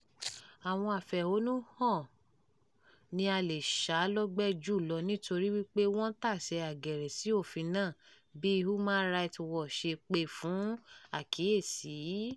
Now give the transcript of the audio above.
Àwọn afẹ̀hónúhàn ni a lè ṣá lọ́gbẹ́ jù lọ nítorí wípé wọ́n tasẹ̀ àgẹ̀rẹ̀ sí òfin náà bí Human Rights Watch ṣe pè fún àkíyèsí: